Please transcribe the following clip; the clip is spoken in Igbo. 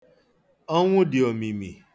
Ọnwụ dị omimi.